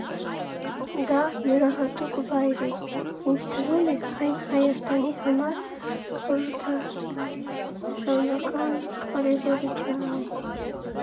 «Դա յուրահատուկ վայր է և ինձ թվում է՝ այն Հայաստանի համար խորհրդանշական կարևորություն ունի։